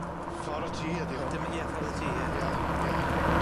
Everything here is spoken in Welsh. Ffor' y Tŷ ydi hwn. Dim y... Ie Ffordd y Tŷ ie. Ie ie.